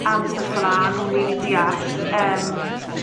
am stwff fela o'nn nw'n rili deall, yym